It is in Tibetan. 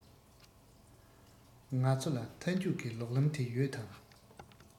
ང ཚོ ལ མཐའ མཇུག གི ལོག ལམ དེ ཡོད དམ